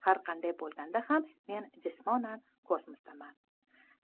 har qanday bo'lganda ham men jismonan kosmosdaman